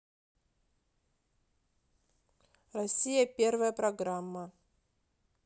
россия первая программа